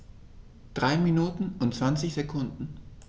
3 Minuten und 20 Sekunden